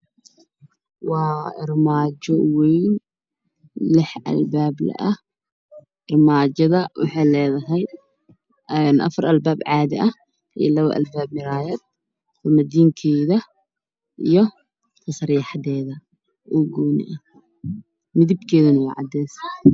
Waa armaajo weyn lix albaab ah armaajada waxay leedahay afar albaab caadi ah io muraayad cadiinkeeda io sareexadeeda oo gooni ah midabkeeduna waa cadis